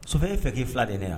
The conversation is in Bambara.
Sokɛ ye fɛ k' fila de ne wa